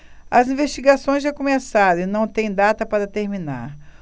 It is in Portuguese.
as investigações já começaram e não têm data para terminar